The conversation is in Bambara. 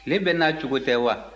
tile bɛɛ n'a cogo tɛ wa